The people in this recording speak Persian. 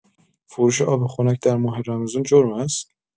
فروش آب خنک در ماه رمضان جرم است؟